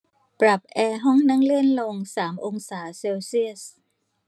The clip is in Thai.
ปรับแอร์ห้องนั่งเล่นลงสามองศาเซลเซียส